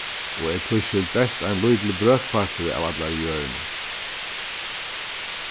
og er tískil bert ein lítil brøkpartur av allari jørðini